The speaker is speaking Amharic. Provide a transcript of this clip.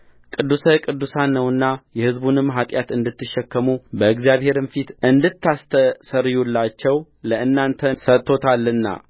ቅዱስ ቅዱሳን ነውና የሕዝቡንም ኃጢያት እንድትሸከሙ በእግዚአብሔርም ፊት እንድታስተሰርዩላቸው ለእናንተ ሰጥቶታልና